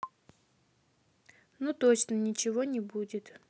ну точно ничего не будет